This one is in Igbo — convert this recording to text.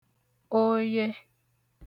oye